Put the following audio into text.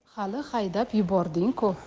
hali haydab yubording ku